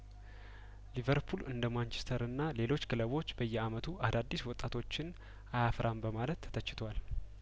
ሊቨርፑል እንደማንቸስተርና ሌሎች ክለቦች በየአመቱ አዳዲስ ወጣቶችን አያፈራም በማለት ተተችቷል